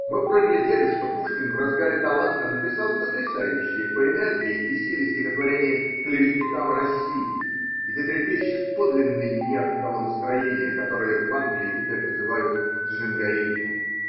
Мы проглядели, что Пушкин в разгаре таланта написал потрясающее по энергии и силе стихотворение Клеветникам России, где трепещет подлинный нерв того настроения, которое в Англии теперь называют джингоизмом.